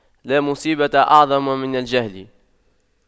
لا مصيبة أعظم من الجهل